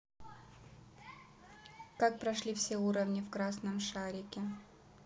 как прошли все уровни в красном шарике